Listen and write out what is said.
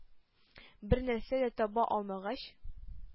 Бер нәрсә дә таба алмагач: